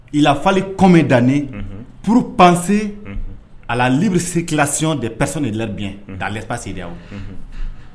Lafali kɔ bɛ dannen p panse ala libi se kilasiyɔn depsɔn de la'a fase de